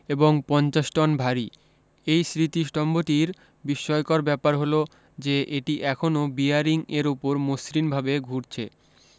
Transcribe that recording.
এবং পঞ্চাশ টন ভারী এই স্মৃতিস্তম্ভটির বিসময়কর ব্যাপার হল যে এটি এখনও বিয়ারিং এর উপর মসৃণভাবে ঘুরছে